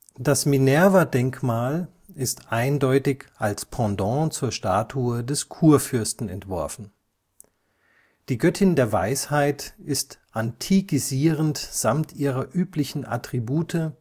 Das Minerva-Denkmal ist eindeutig als Pendant zur Statue des Kurfürsten entworfen. Die Göttin der Weisheit ist antikisierend samt ihrer üblichen Attribute – Helm